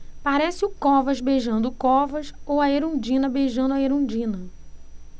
parece o covas beijando o covas ou a erundina beijando a erundina